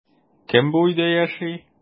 Кем бу өйдә яши?